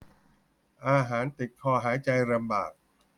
อาหารติดคอหายใจลำบาก